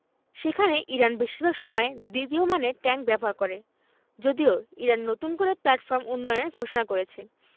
সেখানে ইরান বেশির ভাগ সময় দ্বিতীয় মানের ট্যাংক ব্যবহার করে যদিও ইরান নতুন করে প্ল্যাটফর্ম উন্নয়নের ঘোষণা করেছে